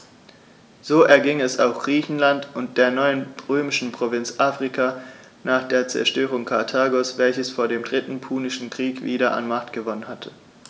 So erging es auch Griechenland und der neuen römischen Provinz Afrika nach der Zerstörung Karthagos, welches vor dem Dritten Punischen Krieg wieder an Macht gewonnen hatte.